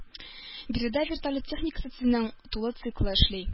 Биредә вертолет техникасы төзүнең тулы циклы эшли